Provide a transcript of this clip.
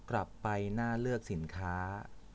กลับไปเลือกสินค้า